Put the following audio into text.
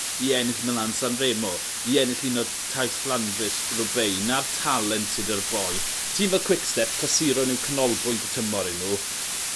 i ennill Milan san Remo i ennill un o taith Fflandrys Roubaix. Na'r talent sy 'da'r boi. Tîm fel Quickstep clasuron yw canolbwynt y tymor i n'w.